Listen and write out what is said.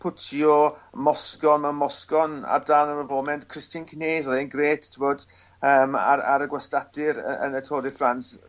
Puccio, Moscon ma Moscon ar dân ar y foment Christian Knees o'dd e'n grêt t'mod yym ar ar y gwastatir y- yn y Tour de France*